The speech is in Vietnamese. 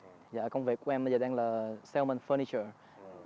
dạ công việc của em bây giờ đang là seo mừn phơ nít trờ